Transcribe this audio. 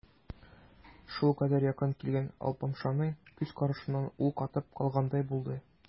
Шулкадәр якын килгән алпамшаның күз карашыннан ул катып калгандай булды.